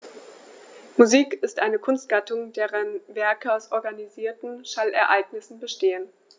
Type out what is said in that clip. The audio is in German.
Musik ist eine Kunstgattung, deren Werke aus organisierten Schallereignissen bestehen.